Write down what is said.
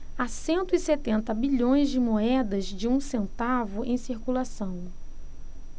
há cento e setenta bilhões de moedas de um centavo em circulação